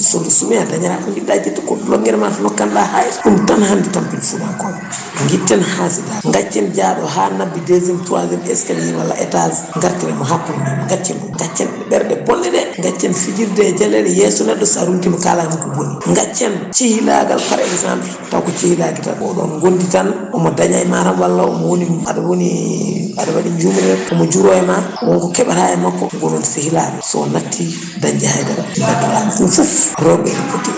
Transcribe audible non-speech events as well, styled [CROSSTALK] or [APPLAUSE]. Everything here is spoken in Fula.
sodu suumi adañata hen ko jiɗɗa dañde ko longguere ma to nokkanno ɗa hayta ɗum tan hande tampini Foutankoɓe guitten hasidagal gaccen jaaɗo ha ngabbi deuxiéme trosiéme escalier walla étage gartiren mo ha * gaccen ɗum gaccen ɗum ɓeerɗe bonɗeɗe gaccen fijirde e jaleɗeɗe yesso neɗɗo sa runtima kala ɗum ko booni gaccen cehilagal par exemple tawko cehilagal tan oɗo oɗon gondi tan omo daña ema tan walla omo woni aɗa woni waɗi jumri ema omo juro ema wonko keeɓata e makko gonoon sehilaɓe so natti dañde haydara [CROSSTALK] beddoɗamo ɗum foof rewɓe